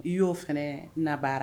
I y'o fana nabaara.